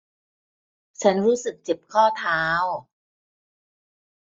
ฉันรู้สึกเจ็บข้อเท้า